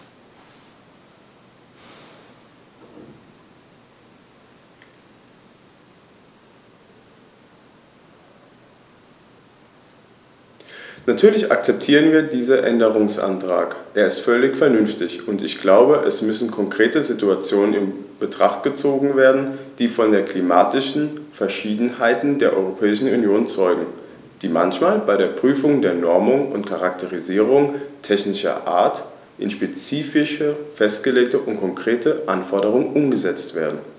Natürlich akzeptieren wir diesen Änderungsantrag, er ist völlig vernünftig, und ich glaube, es müssen konkrete Situationen in Betracht gezogen werden, die von der klimatischen Verschiedenartigkeit der Europäischen Union zeugen, die manchmal bei der Prüfung der Normungen und Charakterisierungen technischer Art in spezifische Festlegungen und konkrete Anforderungen umgesetzt werden.